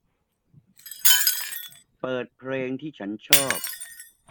เปิดเพลงที่ฉันชอบ